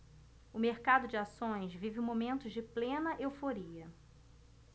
o mercado de ações vive momentos de plena euforia